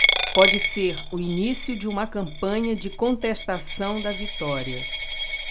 pode ser o início de uma campanha de contestação da vitória